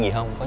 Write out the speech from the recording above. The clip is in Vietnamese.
gì không